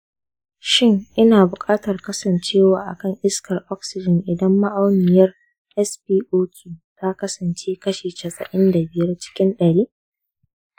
shin ina buƙatar kasancewa a kan iskar oxygen idan ma'auniyar spo2 ta kasance kashi casa'in da biyar cikin ɗari